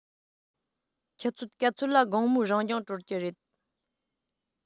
ཆུ ཚོད ག ཚོད ལ དགོང མོའི རང སྦྱོང གྲོལ གྱི རེད